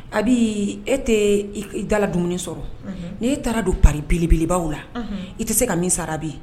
A bɛ e tɛ dala dumuni sɔrɔ n'i taara don pa belebelebaw la i tɛ se ka min sara abi yen